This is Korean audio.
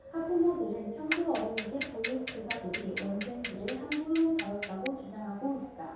학부모들은 평소 어린이집 보육교사들이 원생들을 함부로 다뤘다고 주장하고 있다